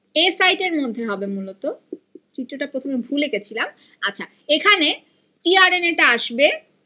এ side এর মধ্যে হবে মূলত চিত্রটা প্রথমে ভুল একেছিলাম আচ্ছা এখানে টি আর এন এ টা আসবে